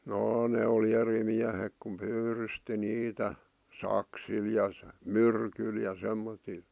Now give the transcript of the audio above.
jaa ne oli eri miehet kun pyydysti niitä saksilla ja myrkyllä ja semmoisilla